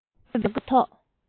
བཤད མ དགོས པའི ཐོག